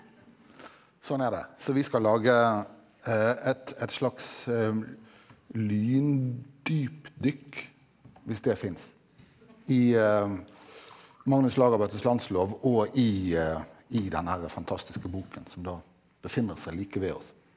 sånn er det så vi skal lage et et slags lyndypdykk, hvis det finnes, i Magnus Lagabøtes landslov og i i den herre fantastiske boken som da befinner seg like ved oss.